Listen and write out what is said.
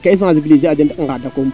i kaa i sensibliser a den rek ngada koom